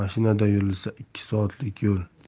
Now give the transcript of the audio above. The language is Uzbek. mashinada yurilsa ikki soatlik yo'l